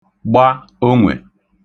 gba onwe